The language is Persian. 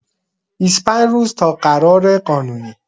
۲۵ روز تا قرار قانونی